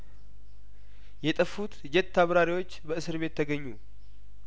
የጠፉት ጄት አብራሪዎች በእስር ቤት ተገኙ